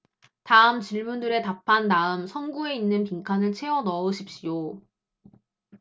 다음 질문들에 답한 다음 성구에 있는 빈칸을 채워 넣으십시오